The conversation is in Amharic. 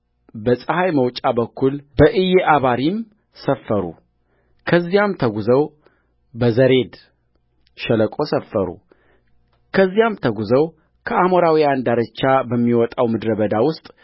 በፀሐይ መውጫ በኩል በዒዬዓባሪም ሰፈሩከዚያም ተጕዘው በዘሬድ ሸለቆ ሰፈሩከዚያም ተጕዘው ከአሞራውያን ዳርቻ በሚወጣው ምድረ በዳ ውስጥ